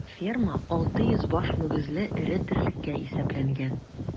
Ферма 600 баш мөгезле эре терлеккә исәпләнгән.